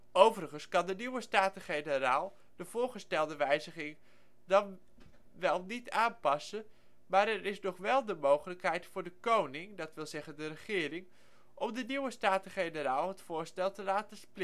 Overigens kan de nieuwe Staten-Generaal de voorgestelde wijziging dan wel niet aanpassen, maar er is nog wel de mogelijkheid voor de Koning (dat wil zeggen, de regering) om de nieuwe Staten-Generaal het voorstel te laten